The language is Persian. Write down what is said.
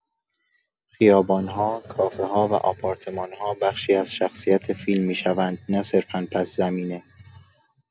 خیابان‌ها، کافه‌ها و آپارتمان‌ها بخشی از شخصیت فیلم می‌شوند، نه صرفا پس‌زمینه.